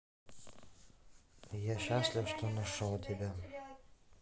я счастлив что нашел тебя